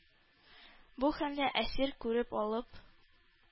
Бу хәлне Әсир күреп алып,